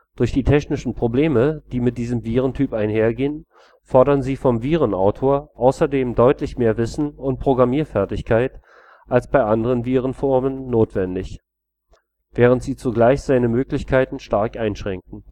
Durch die technischen Probleme, die mit diesem Virentyp einhergehen, fordern sie vom Virenautor außerdem deutlich mehr Wissen und Programmierfertigkeiten als bei anderen Virenformen notwendig, während sie zugleich seine Möglichkeiten stark einschränken